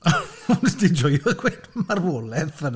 Wnest ti joio gweud "marwolaeth" fan'na!